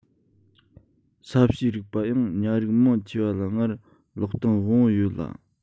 ས གཤིས རིག པ ཡང ཉ རིགས མང ཆེ བ ལ སྔར གློག གཏོང དབང པོ ཡོད ལ